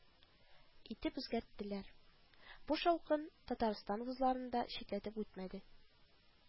Итеп үзгәрттеләр; бу шаукым татарстан вузларын да читләтеп үтмәде: